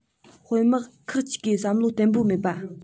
དཔོན དམག ཁག ཅིག གི བསམ བློ བརྟན པོ མེད པ